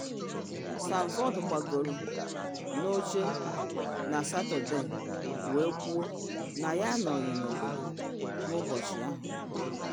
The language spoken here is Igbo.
Sanford gbagoro n’oche na Satọde wee kwuo na ya anọghị n’obodo n’ụbọchị ahụ.